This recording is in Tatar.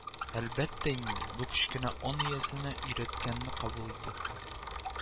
Әлбәттә инде, бу кечкенә ан иясенә өйрәткәнне кабул итү